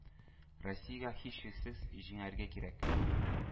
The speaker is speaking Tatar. Россиягә һичшиксез җиңәргә кирәк.